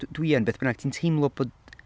d- dwi yn beth bynnag. Ti'n teimlo bod...